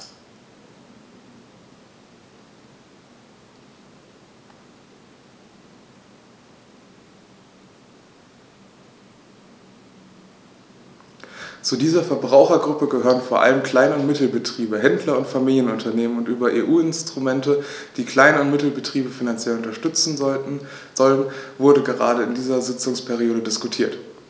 Zu dieser Verbrauchergruppe gehören vor allem Klein- und Mittelbetriebe, Händler und Familienunternehmen, und über EU-Instrumente, die Klein- und Mittelbetriebe finanziell unterstützen sollen, wurde gerade in dieser Sitzungsperiode diskutiert.